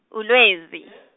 uLwezi.